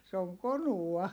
se on konua